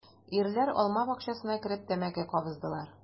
Ирләр алма бакчасына кереп тәмәке кабыздылар.